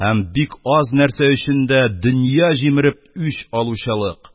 Һәм бик аз нәрсә өчен дә дөнья җимереп үч алучылык